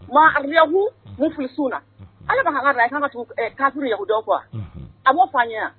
Maku mu furu sun na ala ma hala ka kaurukudɔn qu a'o fa